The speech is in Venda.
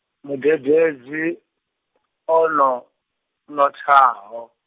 mudededzi, o no, nothaho.